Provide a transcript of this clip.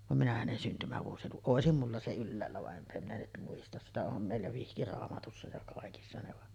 vaan minä hänen syntymävuosilukua olisi minulla se ylhäällä vaan enpä minä nyt muista sitä on meillä vihkiraamatussa ja kaikissa ne vaan